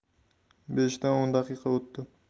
beshdan o'n daqiqa o'tdi